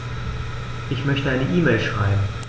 Ich möchte eine E-Mail schreiben.